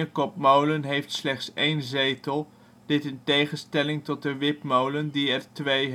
heeft slechts 1 zetel, dit in tegenstelling tot de wipmolen die er twee heeft